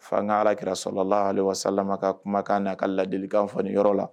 Fanga hakiraso la hali wasalama ka kumakan'a ka ladielikan fɔ yɔrɔ la